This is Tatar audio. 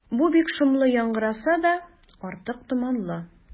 Бу бик шомлы яңгыраса да, артык томанлы.